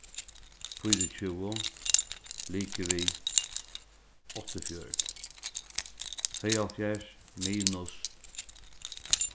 fýraogtjúgu ligvið áttaogfjøruti tveyoghálvfjerðs minus